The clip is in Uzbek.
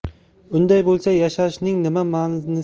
unday bo'lsa yashashning